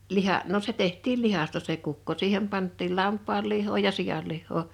liha no se tehtiin lihasta se kukko siihen pantiin lampaan lihaa ja sian lihaa